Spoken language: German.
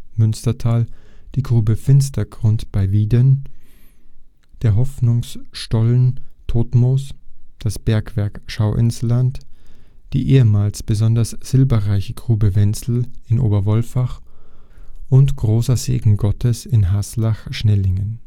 Münstertal), die Grube Finstergrund bei Wieden, der Hoffnungsstollen Todtmoos, das Bergwerk im Schauinsland, die ehemals besonders silberreiche Grube Wenzel in Oberwolfach und Gr. Segen Gottes in Haslach-Schnellingen